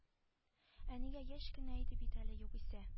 Әнигә яшь кенә иде бит әле югыйсә